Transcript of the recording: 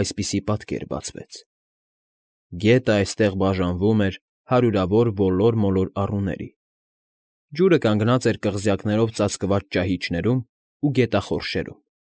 Այսպիսի պատկեր բացվեց. գետը այստեղ բաժանվում էր հարյուրավոր ոլոր֊մոլոր առուների. ջուրը կանգնած էր կղզյակներով ծածկված ճահիճներում ու գետախորշերում։